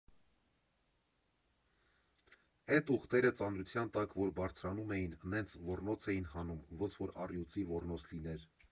Էդ ուղտերը ծանրության տակ որ բարձրանում էին, նենց ոռնոց էին հանում, ոնց որ առյուծի ոռնոց լիներ։